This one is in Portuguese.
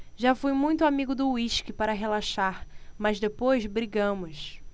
já fui muito amigo do uísque para relaxar mas depois brigamos